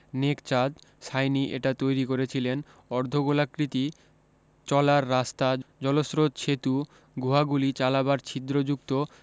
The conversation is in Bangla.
নেক চাঁদ সাইনি এটা তৈরী করেছিলেন অর্ধগোলাকৃতি চলার রাস্তা জলস্রোত সেতু গূহা গুলি চালাবার ছিদ্রযুক্ত